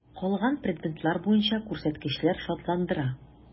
Калган предметлар буенча күрсәткечләр шатландыра.